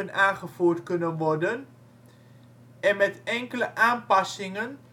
aangevoerd kunnen worden en met enkele aanpassingen